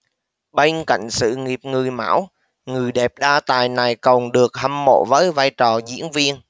bên cạnh sự nghiệp người mẫu người đẹp đa tài này còn được hâm mộ với vai trò diễn viên